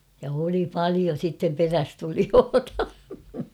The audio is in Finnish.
ja oli paljon sitten perässätulijoita